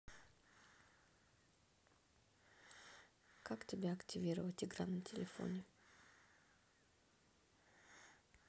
как тебя активировать игра на телефоне